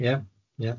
Ie, ie.